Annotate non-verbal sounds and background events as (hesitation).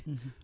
(hesitation) (hesitation)